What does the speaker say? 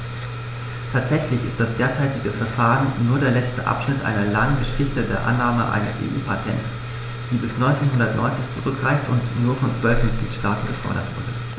Tatsächlich ist das derzeitige Verfahren nur der letzte Abschnitt einer langen Geschichte der Annahme eines EU-Patents, die bis 1990 zurückreicht und nur von zwölf Mitgliedstaaten gefordert wurde.